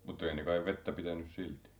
mutta ei ne kai vettä pitänyt silti